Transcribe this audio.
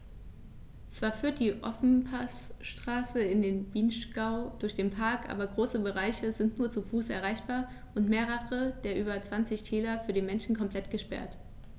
Zwar führt die Ofenpassstraße in den Vinschgau durch den Park, aber große Bereiche sind nur zu Fuß erreichbar und mehrere der über 20 Täler für den Menschen komplett gesperrt.